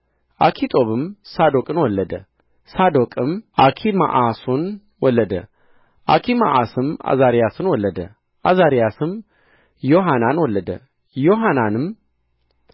አኪጦብም ሳዶቅን ወለደ ሳዶቅም አኪማአስን ወለደ አኪማአስም ዓዛርያስን ወለደ ዓዛርያስም ዮሐናንን ወለደ ዮሐናንም